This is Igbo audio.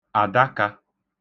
àdakā